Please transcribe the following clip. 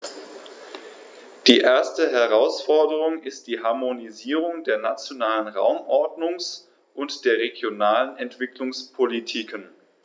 Die erste Herausforderung ist die Harmonisierung der nationalen Raumordnungs- und der regionalen Entwicklungspolitiken.